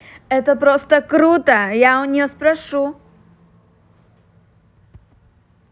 это просто круто я у нее спрошу